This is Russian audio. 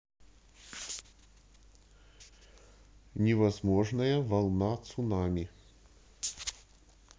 невозможная волна цунами